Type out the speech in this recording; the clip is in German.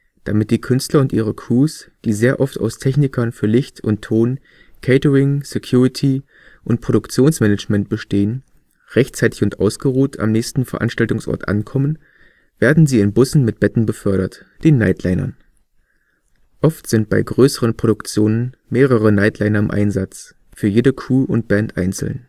Damit die Künstler und ihre Crews, die sehr oft aus Technikern für Licht und Ton, Catering, Security und Produktionsmanagement bestehen, rechtzeitig und ausgeruht am nächsten Veranstaltungsort ankommen, werden sie in Bussen mit Betten befördert, den Nightlinern. Oft sind bei größeren Produktionen mehrere Nightliner im Einsatz, für jede Crew und Band einzeln